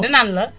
da naan la